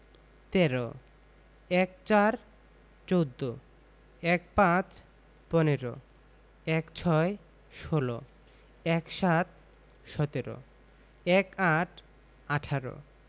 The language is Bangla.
তেরো ১৪ - চৌদ্দ ১৫ – পনেরো ১৬ - ষোল ১৭ - সতেরো ১৮ - আঠারো